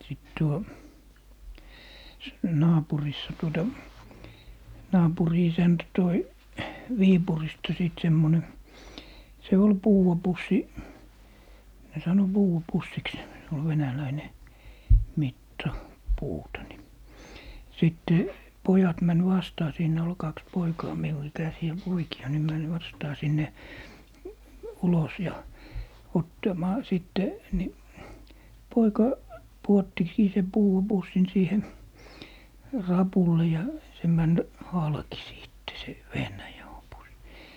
sitten tuo - naapurissa tuota naapurin isäntä toi Viipurista sitten semmoinen se oli puudan pussi ne sanoi puudan pussiksi se oli venäläinen mitta puuta niin sitten pojat meni vastaan siinä oli kaksi poikaa minun ikäisiä poikia niin meni vastaan sinne ulos ja ottamaan sitten niin poika pudottikin sen puudan pussin siihen rapulle ja se meni halki sitten se vehnäjauhopussi